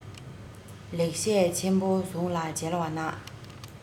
ལེགས བཤད ཆེན པོ ཟུང ལ མཇལ བ ན